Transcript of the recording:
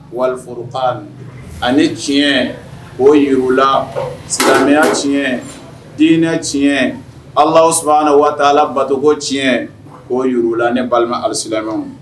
Wali ani tiɲɛ o yila silamɛya tiɲɛ dinɛ tiɲɛ ala su waati ala batoko tiɲɛ o yla balima alisila